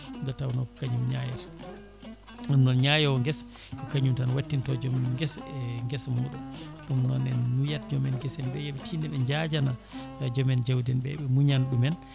nde tawno ko kañum ñayata ɗum noon ñaayowo guesa ko kañum tan wattinto joom guesa e guesa muɗum ɗum noon en mbiyat joomen guese en ɓe yooɓe tinno ɓe jaajana joomen jawdi en ɓe ɓe muñana ɗumen